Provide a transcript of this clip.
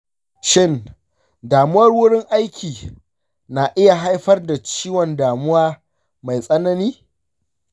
shin damuwar wurin aiki na iya haifar da ciwon damuwa mai tsanani?